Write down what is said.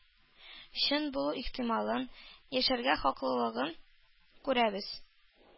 Чын булу ихтималын, яшәргә хаклылыгын күрәбез.